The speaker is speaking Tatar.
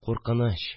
– куркыныч